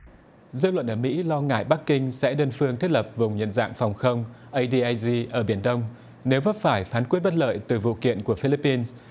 dư luận ở mỹ lo ngại bắc kinh sẽ đơn phương thiết lập vùng nhận dạng phòng không ây đi ây di ở biển đông nếu vấp phải phán quyết bất lợi từ vụ kiện của phi líp pin